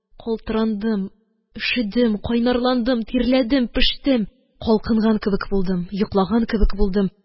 Калтырандым, өшедем, кайнарландым, тирләдем, пештем. Калкынган кебек булдым, йоклаган кебек булдым